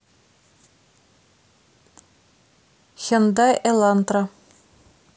хендай элантра